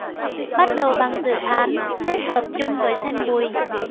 bắt đầu bằng dự án kết hợp chung với thanh bùi